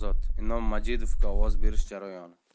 nomzod inom majidovga ovoz berish jarayoni